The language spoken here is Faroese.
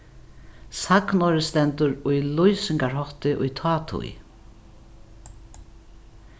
sagnorðið stendur í lýsingarhátti í tátíð